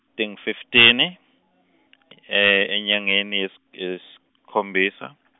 tingu fiftini , enyangeni yes-, yes- sikhombisa.